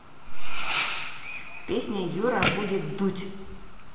песня юра будет дудь